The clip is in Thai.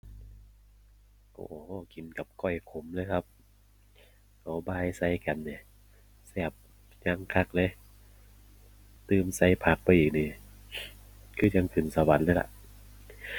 โอ้โห กินกับก้อยขมเลยครับ เอาบ่ายใส่กันนี่ แซ่บอย่างคักเลย ตื่มใส่ผักไปอีกนี่ คือจั่งขึ้นสวรรค์เลยล่ะ